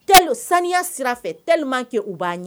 Tel saniya sira fɛ tellement que k'u b'a ɲɛ